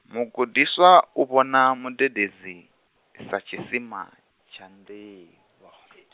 mugudiswa u vhona mudededzi, sa tshisima, tsha nḓivho .